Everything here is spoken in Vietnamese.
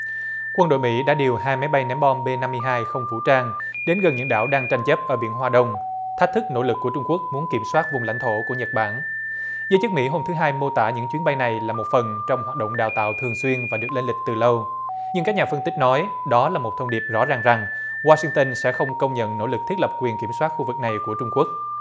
quân đội mỹ đã điều hai máy bay ném bom bê năm mươi hai không vũ trang đến gần những đảo đang tranh chấp ở biển hoa đông thách thức nỗ lực của trung quốc muốn kiểm soát vùng lãnh thổ của nhật bản giới chức mỹ hôm thứ hai mô tả những chuyến bay này là một phần trong hoạt động đào tạo thường xuyên và được lên lịch từ lâu nhưng các nhà phân tích nói đó là một thông điệp rõ ràng rằng oa sinh tơn sẽ không công nhận nỗ lực thiết lập quyền kiểm soát khu vực này của trung quốc